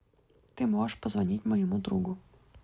ты можешь позвонить моему другу